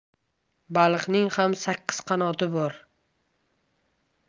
baliqning ham sakkiz qanoti bor